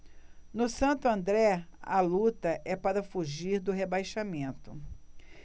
no santo andré a luta é para fugir do rebaixamento